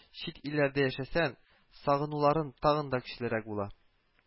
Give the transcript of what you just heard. Чит ирләрдә яшәсәң, сагынуларың тагын да көчлерәк була